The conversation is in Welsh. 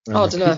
O dyna.